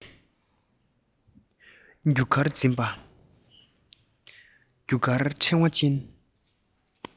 རི བོང འཛིན པ རྒྱུ སྐར གྱི ཕྲེང བ ཅན